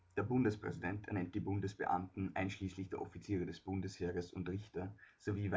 Der Bundespräsident ernennt die Bundesbeamten, einschließlich der Offiziere des Bundesheeres und Richter, sowie